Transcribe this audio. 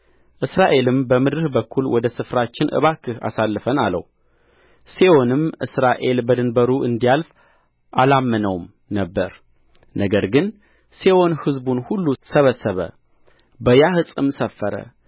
እስራኤልም በምድርህ በኩል ወደ ስፍራችን እባክህ አሳልፈን አለው ሴዎንም እስራኤል በድንበሩ እንዲያልፍ አላመነውም ነበር ነገር ግን ሴዎን ሕዝቡን ሁሉ ሰበሰበ በያሀጽም ሰፈረ